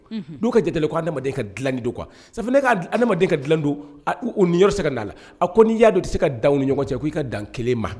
Du ka jatigi ko adamadamaden ka dila ni don kuwa' adamaden ka dila don ni yɔrɔ se ka' la a ko n'i y'a dɔn tɛ se ka dawu ni ɲɔgɔn cɛ ko' i ka dan kelen ma